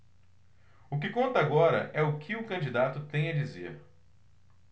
o que conta agora é o que o candidato tem a dizer